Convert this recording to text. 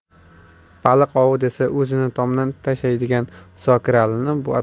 baliq ovi desa o'zini tomdan tashlaydigan zokiralini